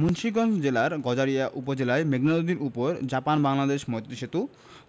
মুন্সিগঞ্জ জেলার গজারিয়া উপজেলায় মেঘনা নদীর উপর জাপান বাংলাদেশ মৈত্রী সেতু